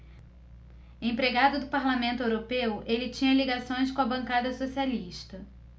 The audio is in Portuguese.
empregado do parlamento europeu ele tinha ligações com a bancada socialista